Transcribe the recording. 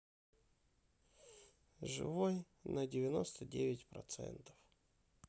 живой на девяносто девять процентов